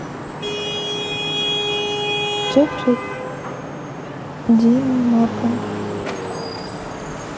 джеффри дин морган